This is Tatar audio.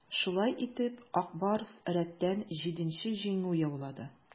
Шулай итеп, "Ак Барс" рәттән җиденче җиңү яулады.